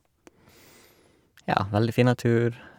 Ja, veldig fin natur.